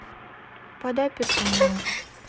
подай персонажа